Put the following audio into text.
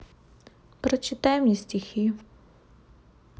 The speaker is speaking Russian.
прочитай мне стихи